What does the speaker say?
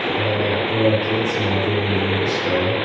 Yy bo' kids 'na 'di mynd i ysgol ia.